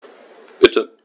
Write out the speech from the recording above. Bitte.